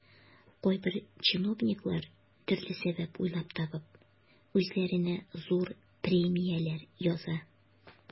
Кайбер чиновниклар, төрле сәбәп уйлап табып, үзләренә зур премияләр яза.